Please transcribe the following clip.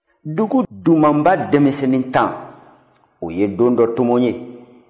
dugu dumanba denmisɛnnin tan o ye don dɔ tomo ye